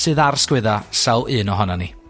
sydd ar sgwydda sawl un ohonon ni.